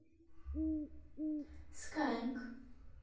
skyeng